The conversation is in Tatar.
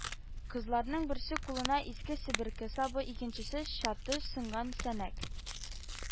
Кызларның берсе кулына иске себерке сабы, икенчесе чаты сынган сәнәк